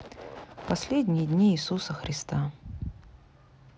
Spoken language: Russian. последние дни иисуса христа